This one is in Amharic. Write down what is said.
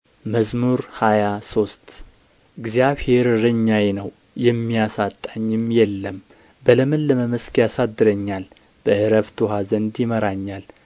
መዝሙር ምዕራፍ ሃያ ሶስት እግዚአብሔር እረኛዬ ነው የሚያሳጣኝም የለም በለመለመ መስክ ያሳድረኛል በዕረፍት ውኃ ዘንድ ይመራኛል